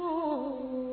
H